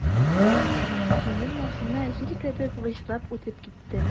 Җиңел машина җил кебек выжлап үтеп китте.